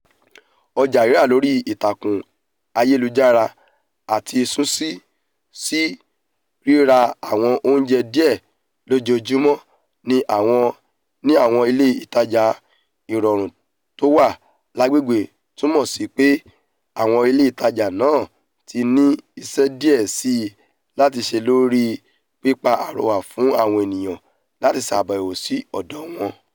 Ọjà rírà lórí ìtàkùn ayélujára àti sísún sí rirá àwọn oúnjẹ díẹ̀ lojoojumọ ní àwọn ilé ìtajà ìrọ̀rùn tówà lágbègbè túmọ sípé àwọn ilé ìtajà ńlá ti ńní iṣẹ́ díẹ̀ síi láti ṣe lórí pípa àrọwà fún àwọn eniyan láti ṣàbẹ̀wo sí ọdọọ wọǹ.